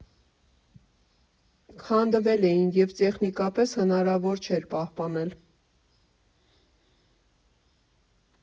Քանդվել էին և տեխնիկապես հնարավոր չէր պահպանել։